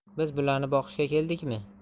biz bularni boqishga keldikmi